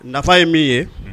Nafa ye min ye